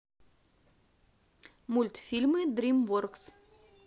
мультфильмы дримворкс